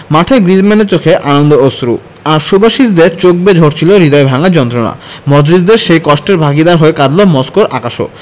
মাঠে গ্রিজমানদের চোখে আনন্দ অশ্রু আর সুবাসিচদের চোখ বেয়ে ঝরছিল হৃদয় ভাঙার যন্ত্রণা মডরিচদের সেই কষ্টের ভাগিদার হয়ে কাঁদল মস্কোর আকাশও